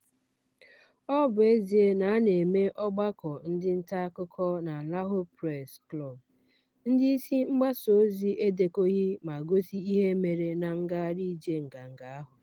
Ọ bụ ezie na a na-eme ọgbakọ ndị nta akụkọ na Lahore Press Club, ndị isi mgbasa ozi edekọghị ma gosi ihe mere na Ngagharị Ije Nganga ahụ.